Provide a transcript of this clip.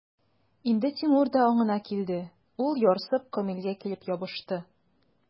Инде Тимур да аңына килде, ул, ярсып, Камилгә килеп ябышты.